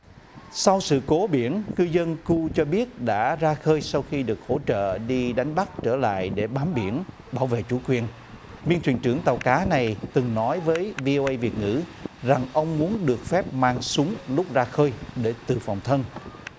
sau sự cố biển cư dân cu cho biết đã ra khơi sau khi được hỗ trợ đi đánh bắt trở lại để bám biển bảo vệ chủ quyền biên thuyền trưởng tàu cá này từng nói với vi ô ây việt ngữ rằng ông muốn được phép mang súng lúc ra khơi để tự phòng thân